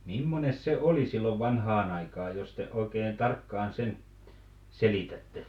mimmoinen se oli silloin vanhaan aikaan jos te oikein tarkkaan sen selitätte